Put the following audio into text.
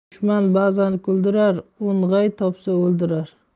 dushman ba'zan kuldirar o'ng'ay topsa o'ldirar